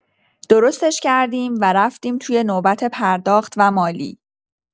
درستش کردیم و رفتیم توی نوبت پرداخت و مالی.